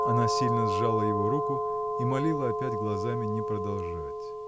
Она сильно сжала его руку и молила опять глазами не продолжать.